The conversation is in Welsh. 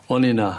O'n i 'na.